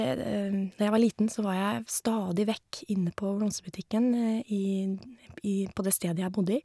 Når jeg var liten, så var jeg v stadig vekk inne på blomsterbutikken i dn eb i på det stedet jeg bodde i.